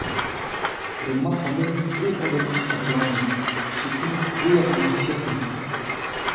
Римма ханым ул адымны атламый, чикнең бу ягына чыкмый.